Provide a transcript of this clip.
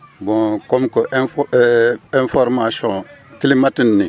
bon comme que info information climatique